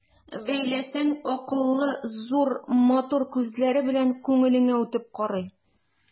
Бәйләсәң, акыллы, зур, матур күзләре белән күңелеңә үтеп карый.